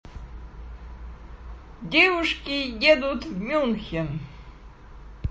девушки едут в мюнхен